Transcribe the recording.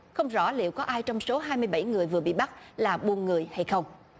không rõ liệu có ai trong số hai mươi bảy người vừa bị bắt là buôn người hay không